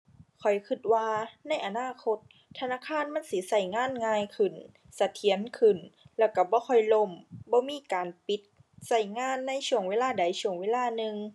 ข้อยคิดว่าในอนาคตธนาคารมันสิคิดงานง่ายขึ้น เสถียรขึ้น แล้วคิดบ่ค่อยล่ม บ่มีการปิดคิดงานในช่วงเวลาใดช่วงเวลาหนึ่ง